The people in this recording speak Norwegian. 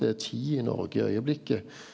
det er ti i Noreg i augeblikket.